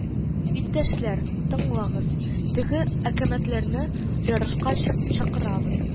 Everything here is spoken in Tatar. Иптәшләр, тыңлагыз, теге әкәмәтләрне ярышка ча-чакырабыз